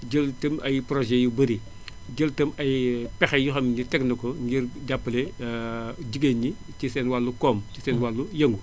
jël itam ay projets yu bari jël itam ay ay pexe yoo xam ne teg na ko ngir jàppale jigéen ñi ci seen wàllu koom ci sen wàllu yëngu